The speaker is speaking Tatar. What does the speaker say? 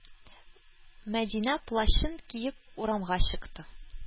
Мәдинә плащын киеп урамга чыкты.